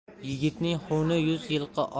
yigitning xuni yuz yilqi